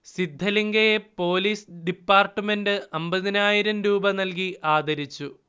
സിദ്ധലിങ്കയെ police department അൻപതിനായിരം രൂപ നൽകി ആദരിച്ചു